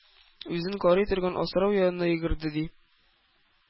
Үзен карый торган асрау янына йөгерде, ди.